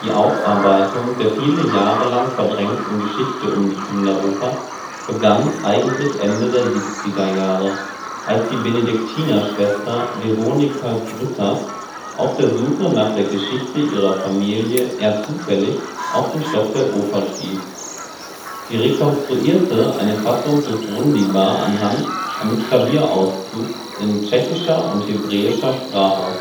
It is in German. Aufarbeitung der viele Jahre lang verdrängten Geschichte um die Kinderoper begann eigentlich Ende der 70er Jahre, als die Benediktinerschwester Veronika Grüters auf der Suche nach der Geschichte Ihrer Familie eher zufällig auf den Stoff der Oper stiess. Sie rekonstruierte eine Fassung des Brundibar anhand eines Klavierauszugs in tschechischer und hebräischer Sprache